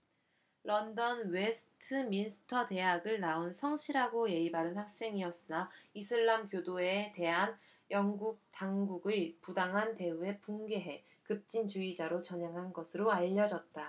런던 웨스트민스터 대학을 나온 성실하고 예의 바른 학생이었으나 이슬람교도에 대한 영국 당국의 부당한 대우에 분개해 급진주의자로 전향한 것으로 알려졌다